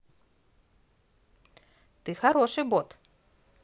ты хороший бот